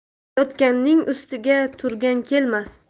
yotganning ustiga turgan kelmas